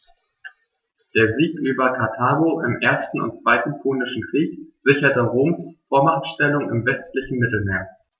Der Sieg über Karthago im 1. und 2. Punischen Krieg sicherte Roms Vormachtstellung im westlichen Mittelmeer.